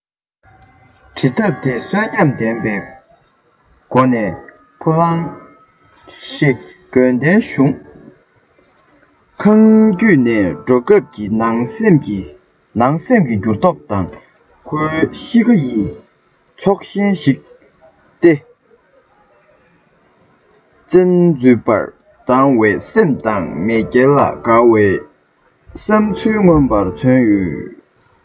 འབྲི ཐབས འདིས གསོན ཉམས ལྡན པའི སྒོ ནས ཧྥུ ལང ཧྲི གྲོང རྡལ གཞུང ལས ཁང བརྒྱུད ནས འགྲོ སྐབས ཀྱི ནང སེམས ཀྱི འགྱུར ལྡོག དང ཁོའི གཤིས ཀ ཡི ཕྱོགས གཞན ཞིག སྟེ བཙན འཛུལ པར སྡང བའི སེམས དང མེས རྒྱལ ལ དགའ བའི བསམ ཚུལ མངོན པར མཚོན ཡོད